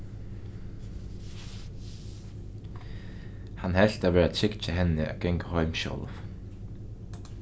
hann helt tað vera trygt hjá henni at ganga heim sjálv